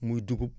muy dugub